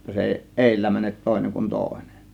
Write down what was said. jotta se ei edellä mene toinen kuin toinen